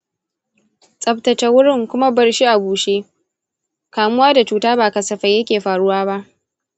tsabtace wurin kuma bar shi a bushe; kamuwa da cuta ba kasafai yake faruwa ba.